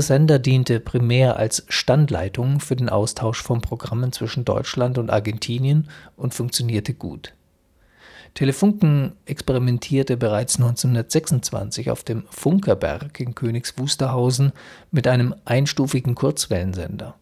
Sender diente primär als „ Standleitung “für den Austausch von Programmen zwischen Deutschland und Argentinien und funktionierte gut. Telefunken experimentierte bereits 1926 auf dem Funkerberg in Königs Wusterhausen mit einem einstufigen Kurzwellensender.